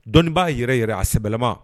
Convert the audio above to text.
Dɔnnibaa yɛrɛ yɛrɛ a sɛbɛma